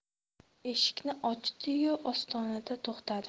eshikni ochdi yu ostonada to'xtadi